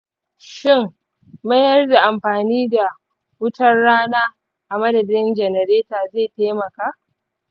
shin mayar da amfani da wutar rana a madadin janareta zai taimaka?